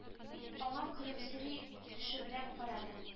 Аңа көлемсери төшебрәк карады